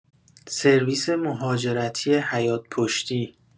سرویس مهاجرتی حیاط پشتی